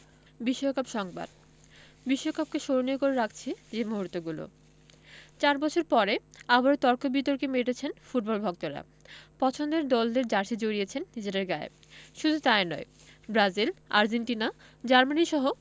বিশ্বকাপ সংবাদ বিশ্বকাপকে স্মরণীয় করে রাখছে যে মুহূর্তগুলো চার বছর পরে আবারও তর্ক বিতর্কে মেতেছেন ফুটবল ভক্তরা পছন্দের দলটির জার্সি জড়িয়েছেন নিজেদের গায়ে শুধু তা ই নয় ব্রাজিল আর্জেন্টিনা জার্মানিসহ